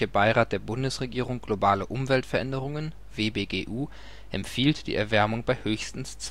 Beirat der Bundesregierung Globale Umweltveränderungen (WBGU) empfiehlt die Erwärmung bei höchstens